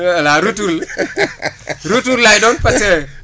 voilà retour bi retour lay doon parce que